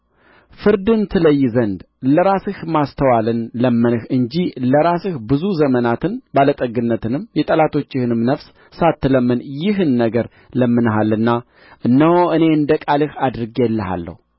ፍርድን ትለይ ዘንድ ለራስህ ማስተዋልን ለመንህ እንጂ ለራስህ ብዙ ዘመናትን ባለጠግነትንም የጠላቶችህንም ነፍስ ሳትለምን ይህን ነገር ለምነሃልና እነሆ እኔ እንደ ቃል አድርጌልሃለሁ